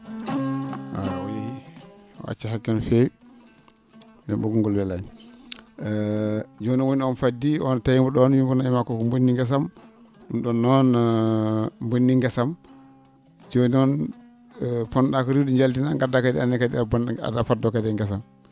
a o yeihi o acca hakke no feewi nden ?oggol ngol welaani jooni o woni omo faddii oon tawi mbo ?oon wiyii mbo nayi maa koko bonni ngesa am ?um ?on noon bonni ngesa am jooni noon potno?aa ko riiwde njaltinaa ngaddaa kadi aan ne kadi a?a bonna a?a faddo kadi e ngesa am